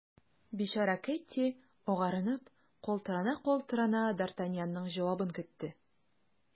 Бичара Кэтти, агарынып, калтырана-калтырана, д’Артаньянның җавабын көтте.